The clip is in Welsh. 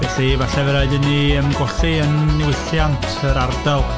Felly falle fydd rhaid i ni ymgolli yn niwylliant yr ardal.